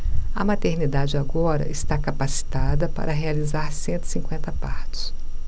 a maternidade agora está capacitada para realizar cento e cinquenta partos